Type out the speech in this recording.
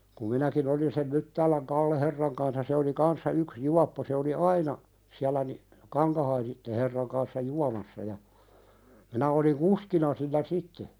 kun minäkin olin sen Myttäälän Kalle-herran kansa se oli kanssa yksi juoppo se oli aina siellä niin Kankahaisten herran kanssa juomassa ja minä olin kuskina sillä sitten